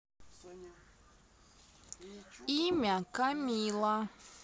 имя камила